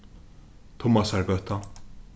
tummasargøta